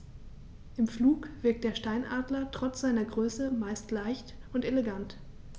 Im Flug wirkt der Steinadler trotz seiner Größe meist sehr leicht und elegant.